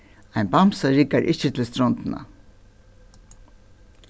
ein bamsa riggar ikki til strondina